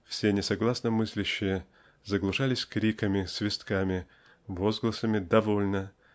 все несогласно мыслящие заглушались криками свистками возгласами "довольно"